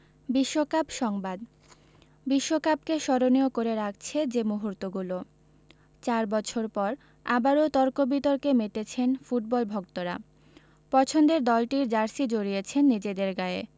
বিশ্বকাপ সংবাদ বিশ্বকাপকে স্মরণীয় করে রাখছে যে মুহূর্তগুলো চার বছর পর আবারও তর্ক বিতর্কে মেতেছেন ফুটবল ভক্তরা পছন্দের দলটির জার্সি জড়িয়েছেন নিজেদের গায়ে